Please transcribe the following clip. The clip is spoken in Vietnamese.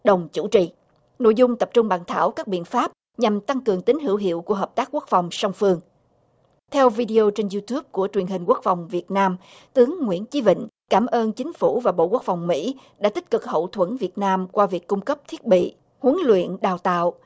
đồng chủ trì nội dung tập trung bàn thảo các biện pháp nhằm tăng cường tính hữu hiệu của hợp tác quốc phòng song phương theo vi đi ô trên iu túp của truyền hình quốc phòng việt nam tướng nguyễn chí vịnh cảm ơn chính phủ và bộ quốc phòng mỹ đã tích cực hậu thuẫn việt nam qua việc cung cấp thiết bị huấn luyện đào tạo